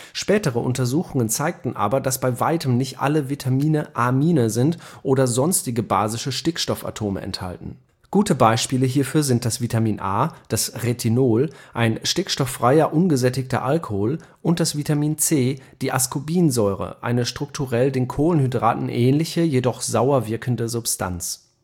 Spätere Untersuchungen zeigten aber, dass bei weitem nicht alle Vitamine Amine sind oder sonstige basische Stickstoffatome enthalten. Gute Beispiele hierfür sind das Vitamin A (Retinol), ein stickstofffreier, ungesättigter Alkohol und das Vitamin C (Ascorbinsäure), eine strukturell den Kohlenhydraten ähnliche, jedoch sauer wirkende Substanz